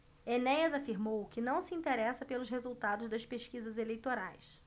enéas afirmou que não se interessa pelos resultados das pesquisas eleitorais